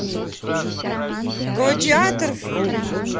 гладиатор фильм